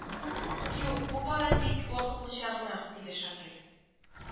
— юк, бу бары тик вакытлыча гына, — диде шакир